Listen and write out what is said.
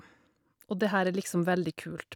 Og det her er liksom veldig kult.